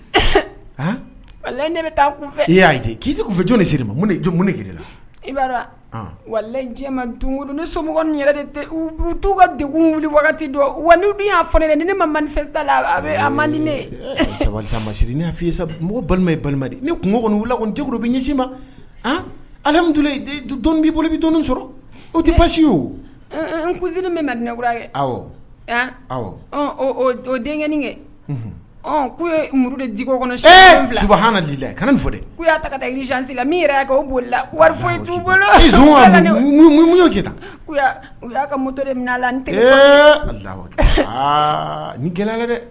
Ne bɛ taa kun fɛ y'a k'i fɛ jɔnni siri ma jɔnkun nela i b'a wa ma ni sommɔgɔ yɛrɛ de'u ka dekun wili don wa bɛ y'a fɔ ne dɛ ni ne ma maninfɛta a bɛ mande ne masiri na f i sa balima balima ni kun wili n bɛ ɲɛsin ma alimtu' bolo bɛ dunun sɔrɔ o tɛ pasi o n kunsiri bɛ mɛninɛkura ye aw aw o den kɛ ko ye muru de diko kɔnɔsu hlilila fɔ dɛ ko y'a ta ka taazsi la min yɛrɛ o bolila wari fɔ bolo kɛ u y'a ka motore mina tɛ aa gɛlɛ dɛ dɛ